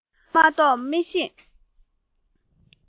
རྒྱུགས མ གཏོགས མི ཤེས